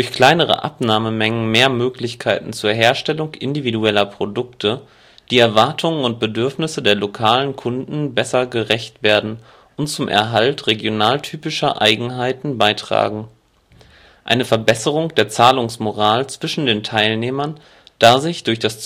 kleinere Abnahmemengen mehr Möglichkeiten zur Herstellung individueller Produkte, die Erwartungen und Bedürfnissen der lokalen Kunden besser gerecht werden und zum Erhalt regionaltypischer Eigenheiten beitragen. Eine Verbesserung der Zahlungsmoral zwischen den Teilnehmern, da sich durch das